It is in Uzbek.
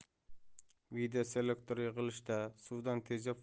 videoselektor yig'ilishida suvdan tejab